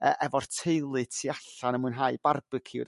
yrr efo'r teulu tu allan yn mwynhau barbiciw.